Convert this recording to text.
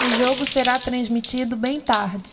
o jogo será transmitido bem tarde